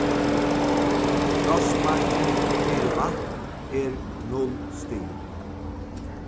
frostmarkið fyri vatn er null stig